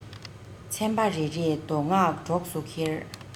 ཚན པ རེ རེས མདོ སྔགས གྲོགས སུ འཁྱེར